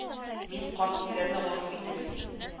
Мин карт юләрне гафу итегез